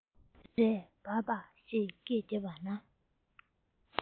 རས བཱ བཱ ཞེས སྐད བརྒྱབ པ ན